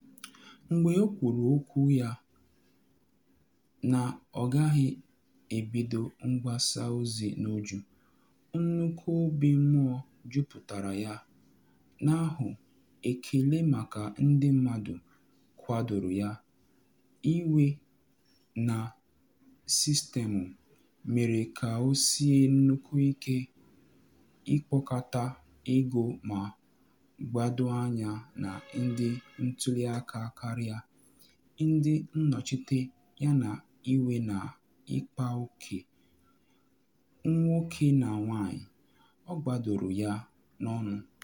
Mgbe o kwuru okwu ya na ọ gaghị ebido mgbasa ozi n’uju, nnukwu obi mmụọ juputara ya n’ahụ - ekele maka ndị mmadụ kwadoro ya, iwe na sistemụ mere ka o sie nnukwu ike ịkpakọta ego ma gbado anya na ndị ntuli aka karịa ndị nnọchite, yana iwe na ịkpa oke nwoke na nwanyị - o gbadoro ya n’onu.